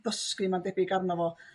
ddysgu mae'n debyg arno fo